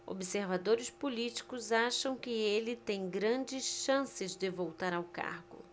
observadores políticos acham que ele tem grandes chances de voltar ao cargo